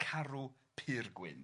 Carw pur gwyn.